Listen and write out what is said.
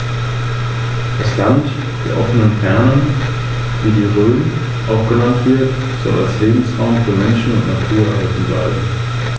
In seiner östlichen Hälfte mischte sich dieser Einfluss mit griechisch-hellenistischen und orientalischen Elementen.